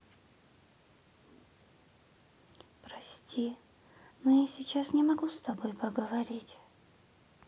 прости но я сейчас не могу с тобой поговорить